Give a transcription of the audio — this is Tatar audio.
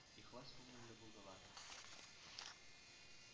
Ихлас күңелле булдылар.